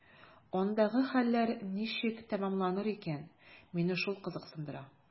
Андагы хәлләр ничек тәмамланыр икән – мине шул кызыксындыра.